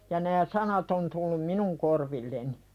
ja nämä sanat on tullut minun korvilleni